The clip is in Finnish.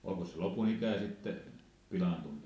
olikos se lopun ikää sitten pilaantunut